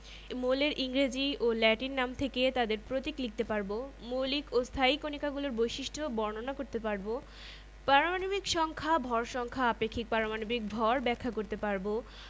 কিন্তু চমকপ্রদ ব্যাপারটি কী জানো প্রকৃতিতে মাত্র চার রকমের বল রয়েছে ওপরে যে তালিকা দেওয়া হয়েছে সেগুলোকে বিশ্লেষণ করা হলে দেখা যাবে এগুলো ঘুরে ফিরে এই চার রকমের বাইরে কোনোটা নয়